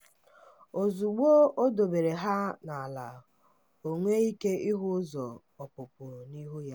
Ozugbo o dobere ha n'ala, o nwee ike hụ ụzọ ọpụpụ n'ihu ya.